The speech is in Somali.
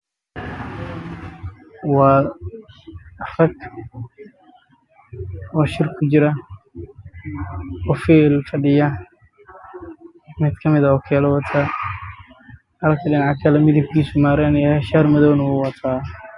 Waa rag shir ku jiro